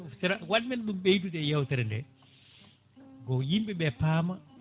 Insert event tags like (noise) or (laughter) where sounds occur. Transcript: (hesitation) waɗimen ɗum ɓeydude e yewtere nde ko yimɓeɓe pama